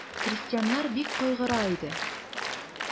Крестьяннар бик кайгыра иде.